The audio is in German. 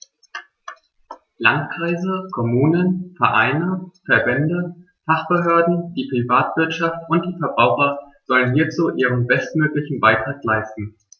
Landkreise, Kommunen, Vereine, Verbände, Fachbehörden, die Privatwirtschaft und die Verbraucher sollen hierzu ihren bestmöglichen Beitrag leisten.